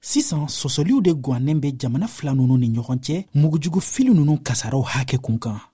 sisan sɔsɔliw de gannen bɛ jamana filaw ninnu ni ɲɔgɔn cɛ mugujugufili ninnu kasaaraw hakɛ kunkan